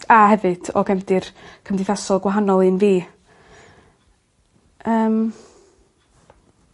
A hefyd o gefndir cymdeithasol gwahanol i un fi. Yym.